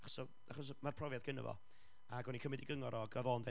achos, achos mae'r profiad gynna fo, ac o'n i'n cymryd ei gyngor oedd o'n ddeud